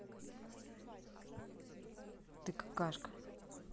ты какашка